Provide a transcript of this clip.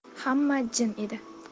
hamma jim edi